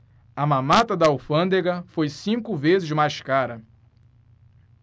a mamata da alfândega foi cinco vezes mais cara